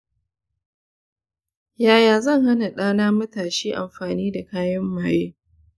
yaya zan hana ɗana matashi amfani da kayan maye?